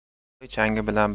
bug'doy changi bilan